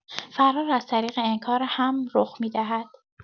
فرار از طریق انکار هم رخ می‌دهد.